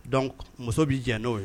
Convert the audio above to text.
Donc muso bi jɛ no ye.